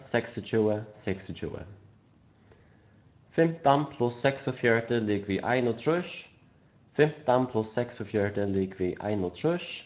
seksogtjúgu seksogtjúgu fimtan pluss seksogfjøruti ligvið einogtrýss fimtan pluss seksogfjøruti ligvið einogtrýss